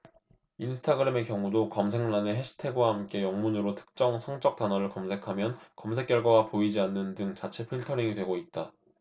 인스타그램의 경우도 검색란에 해시태그와 함께 영문으로 특정 성적 단어를 검색하면 검색 결과가 보이지 않는 등 자체 필터링이 되고 있다